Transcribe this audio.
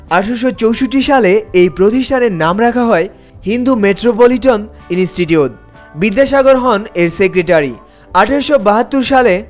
১৮৬৪ সালে এই প্রতিষ্ঠানের নাম রাখা হয় হিন্দু মেট্রোপলিটন ইনস্টিটিউট বিদ্যাসাগর হন এর সেক্রেটারি ১৮৭২ সালে